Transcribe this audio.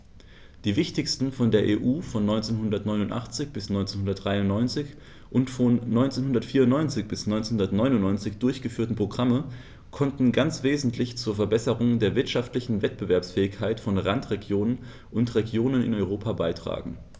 Die wichtigsten von der EU von 1989 bis 1993 und von 1994 bis 1999 durchgeführten Programme konnten ganz wesentlich zur Verbesserung der wirtschaftlichen Wettbewerbsfähigkeit von Randregionen und Regionen in Europa beitragen.